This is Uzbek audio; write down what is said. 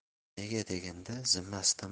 nega deganda zimmasida